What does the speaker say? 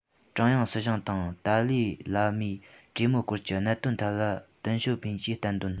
ཀྲུང དབྱང སྲིད གཞུང དང ཏཱ ལའི བླ མས གྲོས མོལ སྐོར གྱི གནད དོན ཐད ལ ཏིན ཞོ ཕིན གྱིས བསྟན དོན